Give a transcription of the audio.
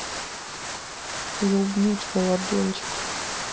я убью тебя лодочник